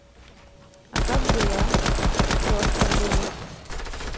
а как дела крошка голос